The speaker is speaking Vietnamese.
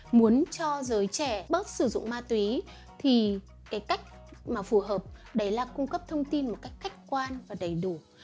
muốn cho giới trẻ bớt sử dụng ma túy thì cái cách mà phù hợp đấy là cung cấp thông tin một cách khách quan và đầy đủ